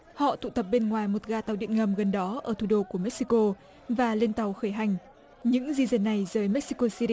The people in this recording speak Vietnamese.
họ tụ tập bên ngoài một ga tàu điện ngầm gần đó ở thủ đô của mê xi cô và lên tàu khởi hành những di dân này rời mexico xi ti